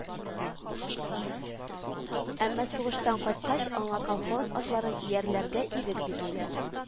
Әмма сугыштан кайткач аңа колхоз атларын иярләргә ирек бирмиләр